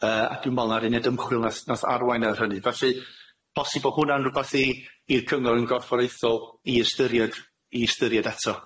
Yy a dwi me'wl ma' uned ymchwil nath nath arwain ar hynny felly posib bo' hwnna'n rwbath i i'r cyngor yn gorfforaethol i ystyried i ystyried eto.